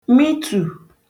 mịtù